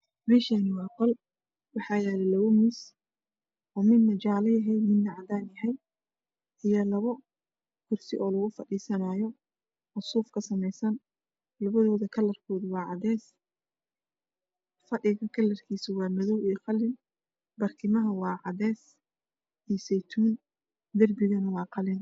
Meshani waa qol waxaa yala laba miis midna jale yahay midna cadan yahay iyo labo kursi oo lagu fadhisanayo oo suuf ka samaysan labdoodu kalarkoodu waa cadees fashiga kalarkiisu waa madow iyo qalin barkimaha waa cadees iyo seytuuni derbigana waa qalin